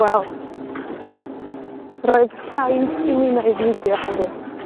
Wel, roedd rhaid i mi wneud fideo heddiw.